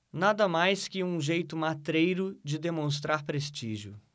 nada mais que um jeito matreiro de demonstrar prestígio